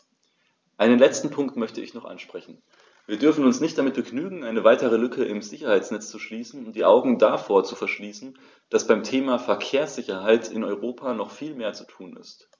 Einen letzten Punkt möchte ich noch ansprechen: Wir dürfen uns nicht damit begnügen, eine weitere Lücke im Sicherheitsnetz zu schließen und die Augen davor zu verschließen, dass beim Thema Verkehrssicherheit in Europa noch viel mehr zu tun ist.